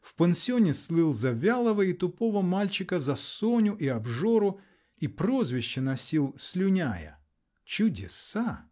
в пансионе слыл за вялого и тупого мальчика, за соню и обжору -- и прозвище носил "слюняя". Чудеса!